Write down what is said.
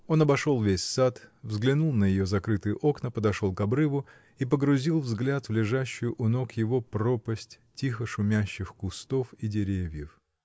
Он обошел весь сад, взглянул на ее закрытые окна, подошел к обрыву и погрузил взгляд в лежащую у ног его пропасть тихо шумящих кустов и деревьев.